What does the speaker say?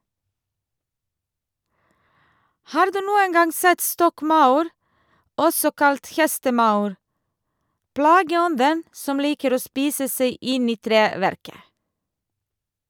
Har du noen gang sett stokkmaur, også kalt hestemaur, plageånden som liker å spise seg inn i treverket?